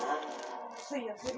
фильм любой ценой